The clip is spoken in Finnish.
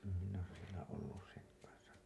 en minä ole siellä ollut sen kanssa